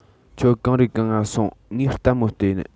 ཁྱོད གང རིགས གང ང སོང ངས ལྟད མོ བལྟས ནིས